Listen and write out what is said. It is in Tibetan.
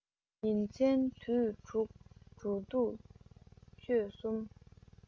ཉིན མཚན དུས དྲུག འགྲོ འདུག སྤྱོད གསུམ